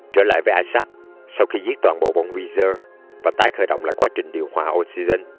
trở lại với isaac sau khi giết toàn bộ bọn wheezer và tái khởi động lại quá trình điều hòa oxygen